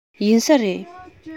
ཡིན གྱི རེད